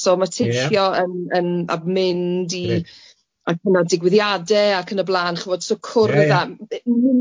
So ma' teithio yn yn a mynd i gwahanol digwyddiade ac yn y blan chi'bod so cwrdd â... Ie ie...